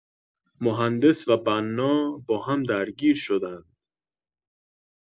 مهندس و بنا با هم درگیر شدند